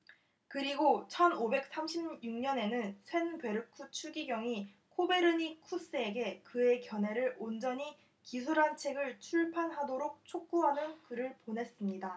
그리고 천 오백 삼십 육 년에는 쇤베르크 추기경이 코페르니쿠스에게 그의 견해를 온전히 기술한 책을 출판하도록 촉구하는 글을 보냈습니다